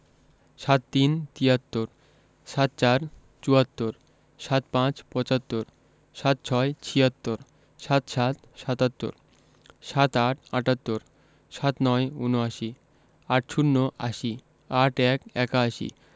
৭৩ তিয়াত্তর ৭৪ চুয়াত্তর ৭৫ পঁচাত্তর ৭৬ ছিয়াত্তর ৭৭ সাত্তর ৭৮ আটাত্তর ৭৯ উনআশি ৮০ আশি ৮১ একাশি